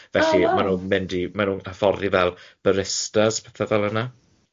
Felly ma' nhw'n mynd i- ma' nhw'n hyfforddi fel baristas, pethe fel yna.